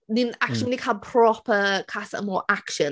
Ni'n... Mm. ...acshyli mynd i cael proper Casa Amor action.